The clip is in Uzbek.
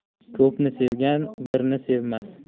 ko'pni sevgan birni sevmas